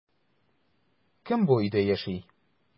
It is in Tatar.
Кем бу өйдә яши?